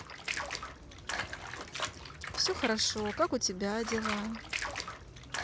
все хорошо как у тебя дела